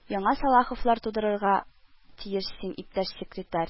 Яңа Салаховлар тудырырга тиеш син, иптәш секретарь